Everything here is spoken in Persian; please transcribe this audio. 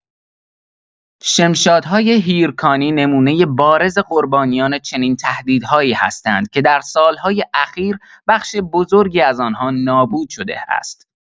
شمشادهای هیرکانی نمونه بارز قربانیان چنین تهدیدهایی هستند که در سال‌های اخیر بخش بزرگی از آنها نابود شده است.